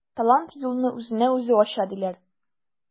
Талант юлны үзенә үзе ача диләр.